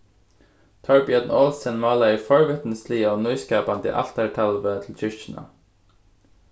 torbjørn olsen málaði forvitnisliga og nýskapandi altartalvu til kirkjuna